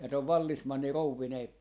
ja - vallesmanni rouvineen